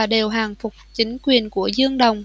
đều hàng phục chính quyền của dương đồng